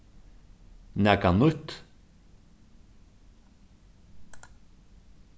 nakað nýtt